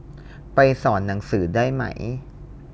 ไปสอนหนังสือได้ไหม